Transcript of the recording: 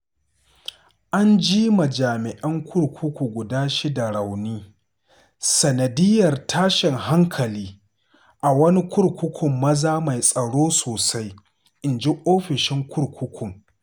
An ji ma jami'an kurkuku guda shida rauni sanadiyyar tashin hankali a wani kurkukun maza mai tsaro sosai, inji Ofishin Kurkukun.